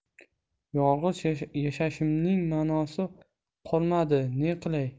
yolg'iz yashashimning manosi qolmadi ne qilay